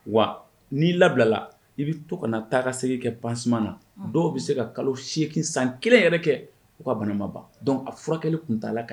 Wa n'i labilala i bɛ to kana taa segin kɛ ban na dɔw bɛ se ka kalo segin san kelen yɛrɛ kɛ u ka banama ban dɔn a furakɛ tun' la kan